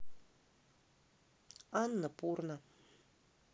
анна пурна